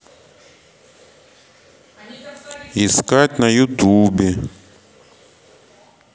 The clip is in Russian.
искать на ютубе